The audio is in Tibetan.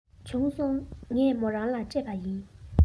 བྱུང སོང ངས མོ རང ལ སྤྲད པ ཡིན